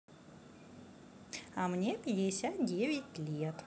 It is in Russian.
а мне пятьдесят девять лет